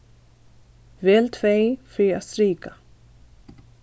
vel tvey fyri at strika